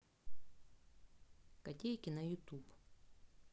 котейки на ютуб